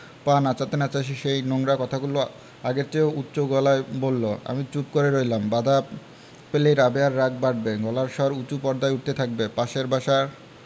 পা নাচাতে নাচাতে সেই নোংরা কথাগুলো আগের চেয়েও উচু গলায় বললো আমি চুপ করে রইলাম বাধা পেলেই রাবেয়ার রাগ বাড়বে গলার স্বর উচু পর্দায় উঠতে থাকবে পাশের বাসার